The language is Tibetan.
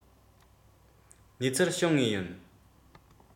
ཁྱེད རང གི ཁེ ཕན སྲུང སྐྱོང སྤྱི པའི དབང ཆ སྤྱོད འགྲོ ཁོ ཐག ཡིན